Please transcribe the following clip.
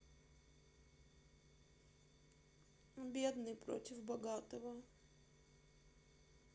бедный против богатого